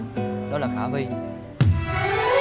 là khả